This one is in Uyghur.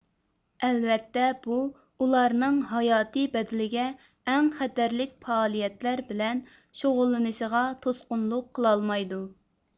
ئەلۋەتتە بۇ ئۇلارنىڭ ھاياتى بەدىلىگە ئەڭ خەتەرلىك پائالىيەتلەر بىلەن شۇغۇللىنىشىغا توسقۇنلۇق قىلالمايدۇ